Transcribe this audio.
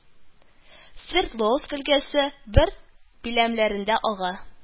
Свердловск өлкәсе бер биләмәләрендә ага